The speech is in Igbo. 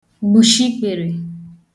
gbùshi ikpere